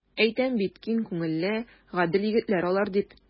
Әйтәм бит, киң күңелле, гадел егетләр алар, дип.